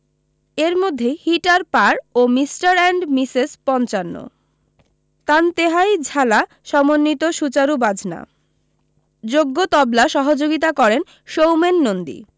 এর মধ্যেই হিট আর পার ও মিস্টার অ্যাণ্ড মিসেস পঞ্চান্ন তান তেহাই ঝালা সমন্বিত সুচারু বাজনা যোগ্য তবলা সহযোগিতা করেন সৌমেন নন্দী